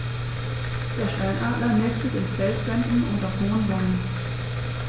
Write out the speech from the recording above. Der Steinadler nistet in Felswänden und auf hohen Bäumen.